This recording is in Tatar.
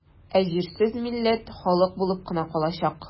Ә җирсез милләт халык булып кына калачак.